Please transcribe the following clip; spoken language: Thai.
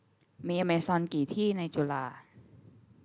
มีอเมซอนกี่ที่ในจุฬา